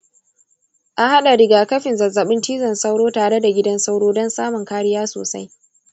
a haɗa riga-kafin zazzaɓin cizon sauro tare da gidan sauro don samun kariya sosai.